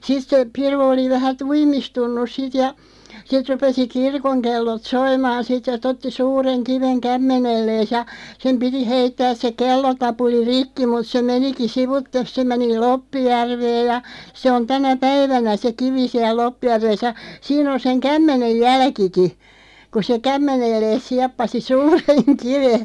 sitten se piru oli vähän tuimistunut sitten ja sitten rupesi kirkonkellot soimaan sitten että otti suuren kiven kämmenelleen ja sen piti heittää se kellotapuli rikki mutta se menikin sivuitse se meni Loppijärveen ja se on tänä päivänä se kivi siellä Loppijärvessä ja siinä on sen kämmenen jälkikin kun se kämmenelleen sieppasi suuren kiven